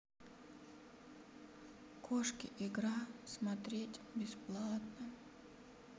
кошки игра смотреть бесплатно